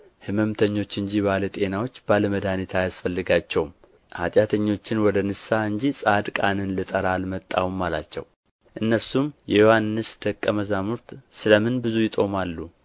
ሕመምተኞች እንጂ ባለ ጤናዎች ባለ መድኃኒት አያስፈልጋቸውም ኃጢአተኞችን ወደ ንስሐ እንጂ ጻድቃንን ልጠራ አልመጣሁም አላቸው እነርሱም የዮሐንስ ደቀ መዛሙርት ስለ ምን ብዙ ይጦማሉ